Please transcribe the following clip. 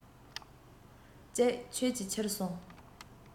གཅིག ཁྱོད ཀྱིས ཁྱེར སོང